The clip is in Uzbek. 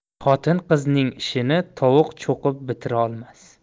xotin qizning ishini tovuq cho'qib bitirolmas